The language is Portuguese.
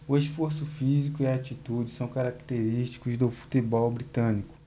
o esforço físico e a atitude são característicos do futebol britânico